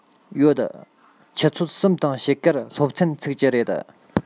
ཡོད ཆུ ཚོད གསུམ དང ཕྱེད ཀར སློབ ཚན ཚུགས ཀྱི རེད